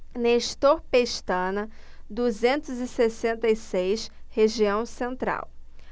nestor pestana duzentos e sessenta e seis região central